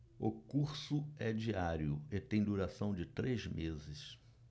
o curso é diário e tem duração de três meses